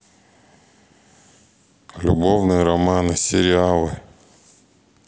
любовные романы сериалы